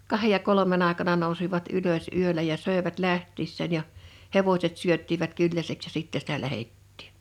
kahden ja kolmen aikana nousivat ylös yöllä ja söivät lähtiessään ja hevoset syöttivät kylläiseksi ja sitten sitä lähdettiin